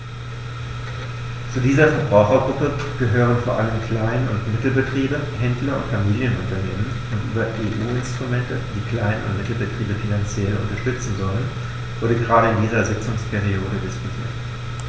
Zu dieser Verbrauchergruppe gehören vor allem Klein- und Mittelbetriebe, Händler und Familienunternehmen, und über EU-Instrumente, die Klein- und Mittelbetriebe finanziell unterstützen sollen, wurde gerade in dieser Sitzungsperiode diskutiert.